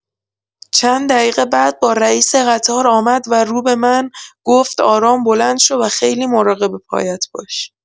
چند دقیقه بعد با رئیس قطار آمد و رو به من گفت آرام بلند شو و خیلی مراقب پایت باش.